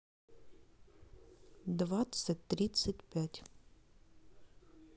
двадцать тридцать пять